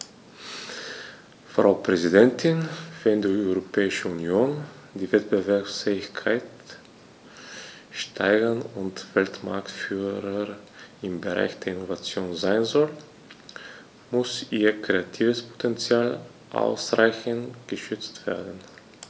Frau Präsidentin, wenn die Europäische Union die Wettbewerbsfähigkeit steigern und Weltmarktführer im Bereich der Innovation sein soll, muss ihr kreatives Potential ausreichend geschützt werden.